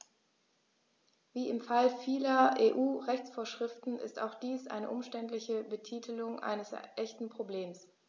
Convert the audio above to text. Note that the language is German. Wie im Fall vieler EU-Rechtsvorschriften ist auch dies eine umständliche Betitelung eines echten Problems.